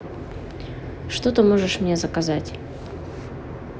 что ты можешь мне заказать